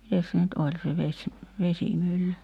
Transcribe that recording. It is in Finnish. mitenkäs se nyt oli se - vesimylly